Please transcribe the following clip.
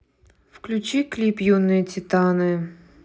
включи клип юные титаны